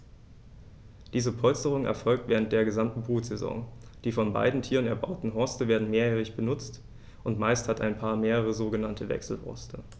Diese Polsterung erfolgt während der gesamten Brutsaison. Die von beiden Tieren erbauten Horste werden mehrjährig benutzt, und meist hat ein Paar mehrere sogenannte Wechselhorste.